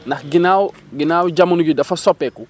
ndax ginnaaw ginnaaw jamono ji dafa soppeeku